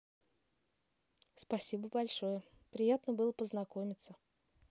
спасибо большое приятно было познакомиться